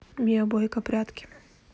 миа бойко прятки